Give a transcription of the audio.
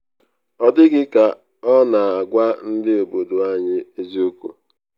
“Ọ dị gị ka ọ na agwa ndị obodo anyị eziokwu?